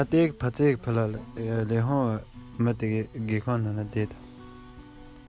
སྐབས དེར ཨ མ དང གཅེན གཅུང